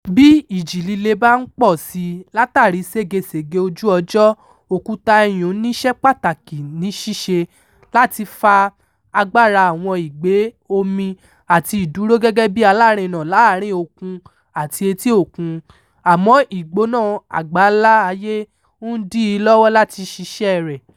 Bí ìjì líle bá ń pọ̀ sí i látàrí ségesège ojú-ọjọ́, òkúta iyùn-ún níṣẹ́ pàtàkì ní ṣíṣe láti fa agbára àwọn ìgbé omi àti ìdúró gẹ́gẹ́ bí alárinà láàárín òkun àti etí òkun — àmọ́ ìgbóná àgbáńlá ayé ń dí i lọ́wọ́ láti ṣiṣẹ́ẹ rẹ̀.